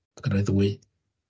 Oedd na ddwy?